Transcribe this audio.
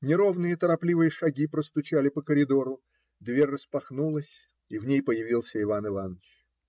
Неровные, торопливые шаги простучали по коридору, дверь распахнулась, и в ней появился Иван Иваныч.